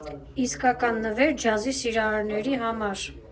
Իսկական նվեր ջազի սիրահարների համար։